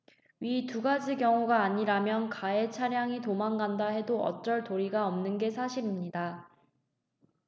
위 두 가지 경우가 아니라면 가해차량이 도망간다 해도 어쩔 도리가 없는 게 사실입니다